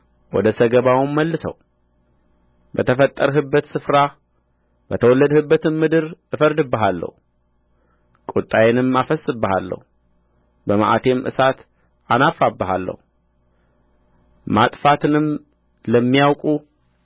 ወደ ሰገባውም መልሰው በተፈጠርህበት ስፍራ በተወለድህባትም ምድር እፈርድብሃለሁ ቍጣዬንም አፈስስብሃለሁ በመዓቴም እሳት አናፋብሃለሁ ማጥፋትንም ለሚያውቁ